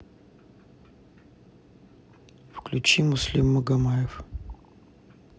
включи муслим магомаев